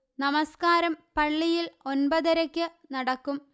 നമസ്കാരം പള്ളിയില് ഒന്പതരയ്ക്ക് നടക്കും